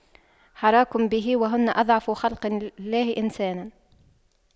حراك به وهن أضعف خلق الله إنسانا